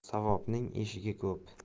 savobning eshigi ko'p